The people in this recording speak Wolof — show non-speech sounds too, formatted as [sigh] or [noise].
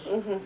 [hesitation] [hesitation]